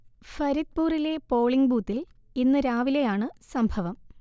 ഫരിദ്പുറിലെ polling ബൂത്തിൽ ഇന്ന് രാവിലെയാണ് സംഭവം